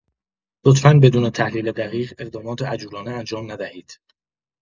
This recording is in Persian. لطفا بدون تحلیل دقیق، اقدامات عجولانه انجام ندهید.